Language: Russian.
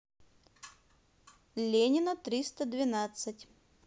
ленина триста двенадцать